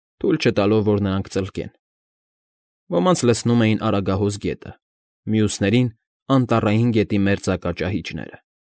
Թույլ չտալով, որ նրանք ծլկեն, ոմանց լցնում էին Արագահոս գետը, մյուսներին՝ Անտառային գետի մերձակա ճահիճները։